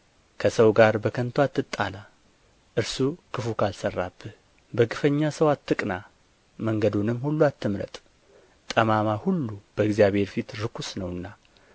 ከሰው ጋር በከንቱ አትጣላ እርሱ ክፉ ካልሠራብህ በግፈኛ ሰው አትቅና መንገዱንም ሁሉ አትምረጥ ጠማማ ሁሉ በእግዚአብሔር ፊት ርኩስ ነውና